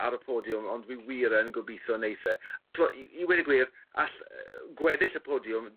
ar y podiwm ond fi wir yn gobeithio neiff e. T'mo' i i i weud y gwir all yy gweddill y podiwm